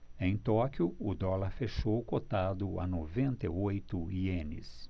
em tóquio o dólar fechou cotado a noventa e oito ienes